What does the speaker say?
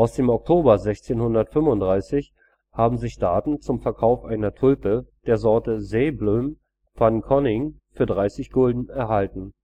dem Oktober 1635 haben sich Daten zum Verkauf einer Tulpe der Sorte Saeyblom van Coningh für 30 Gulden erhalten